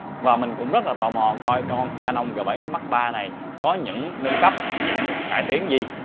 và mình cũng rất là tò mò coi con canon g x mark iii này có những nâng cấp những cải tiến gì